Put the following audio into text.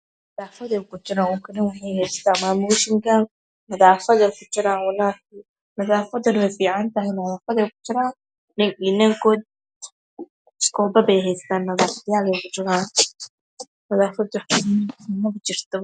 Mama yashan nadafad ayeey ku jiran nadafada wax ka ficn ma jirto